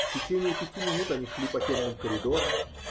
В течение пяти минут они шли по темным коридорам.